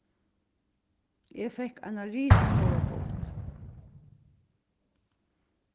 eg fekk eina risastóra bót